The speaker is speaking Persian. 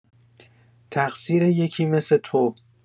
تقصیر یکی مث تو